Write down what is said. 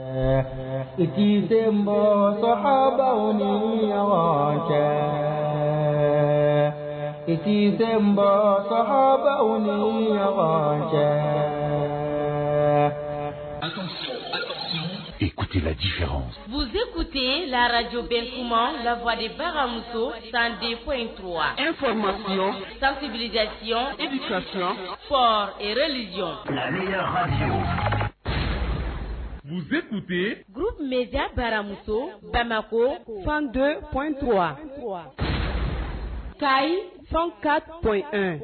Ikiz bɔba cɛ ikiba yo iku buzku ten laj bɛ kuma lakɔli baganmuso san ko intu emay sanfibiililasy eti fɔ re jɔn mu tun bɛ du mjan baramuso banako fando kotu ayi fɛn ka pme